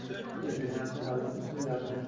vebinar ta'lim usullarini